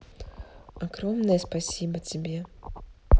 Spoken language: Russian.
огромное спасибо тебе